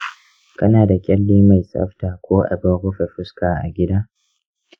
kana da kyalle mai tsafta ko abin rufe fuska a gida?